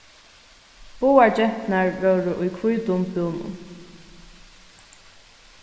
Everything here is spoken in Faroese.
báðar genturnar vóru í hvítum búnum